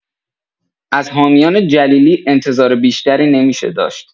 از حامیان جلیلی انتظار بیشتری نمی‌شه داشت.